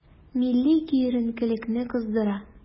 Милли киеренкелекне кыздыра.